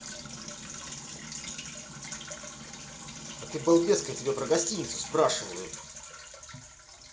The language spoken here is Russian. а ты балбеска я тебя про гостиницу спрашиваю